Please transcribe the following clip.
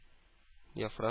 Яфрак